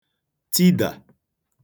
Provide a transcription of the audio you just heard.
tidà